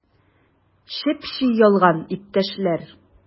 Чеп-чи ялган, иптәшләр!